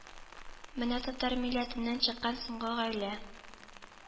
Менә татар милләтеннән чыккан соңгы гаилә